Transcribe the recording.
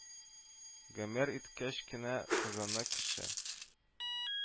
Гомер иткәч кенә, сагына кеше